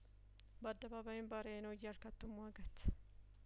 በአደባባይም ባሪያዬ ነው እያልክ አትሟገት